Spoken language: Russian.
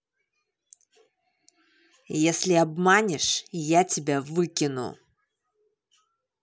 если обманешь я тебя выкину